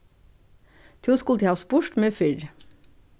tú skuldi havt spurt meg fyrr